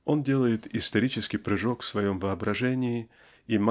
Он делает исторический прыжок в своем воображении и